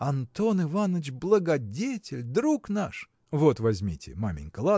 Антон Иваныч – благодетель, друг наш! – Вот возьмите маменька